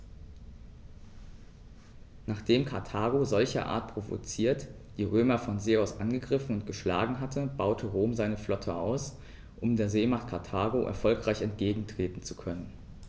Nachdem Karthago, solcherart provoziert, die Römer von See aus angegriffen und geschlagen hatte, baute Rom seine Flotte aus, um der Seemacht Karthago erfolgreich entgegentreten zu können.